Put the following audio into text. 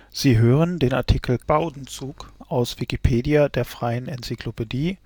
Sie hören den Artikel Bowdenzug, aus Wikipedia, der freien Enzyklopädie